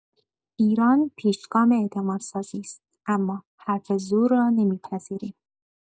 ایران پیشگام اعتمادسازی است، اما حرف زور را نمی‌پذیریم.